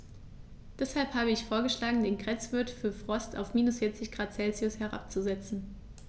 Deshalb habe ich vorgeschlagen, den Grenzwert für Frost auf -40 ºC herabzusetzen.